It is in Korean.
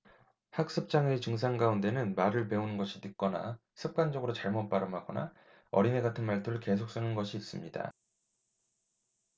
학습 장애의 증상 가운데는 말을 배우는 것이 늦거나 습관적으로 잘못 발음하거나 어린애 같은 말투를 계속 쓰는 것이 있습니다